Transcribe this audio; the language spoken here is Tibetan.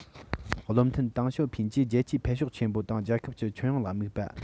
བློ མཐུན ཏེང ཞའོ ཕིན གྱིས རྒྱལ སྤྱིའི འཕེལ ཕྱོགས ཆེན པོ དང རྒྱལ ཁབ ཀྱི ཁྱོན ཡོངས ལ དམིགས པ